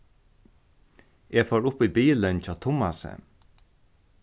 eg fór upp í bilin hjá tummasi